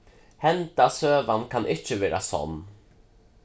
henda søgan kann ikki vera sonn